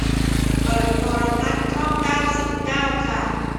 เปิดโทรทัศน์ช่องเก้าสิบเก้าค่ะ